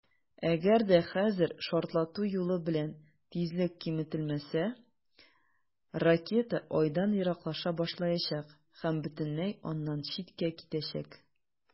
Әгәр дә хәзер шартлату юлы белән тизлек киметелмәсә, ракета Айдан ераклаша башлаячак һәм бөтенләй аннан читкә китәчәк.